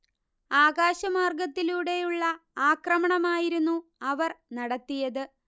ആകാശമാർഗ്ഗത്തിലൂടെയുള്ള ആക്രമണമായിരുന്നു അവർ നടത്തിയത്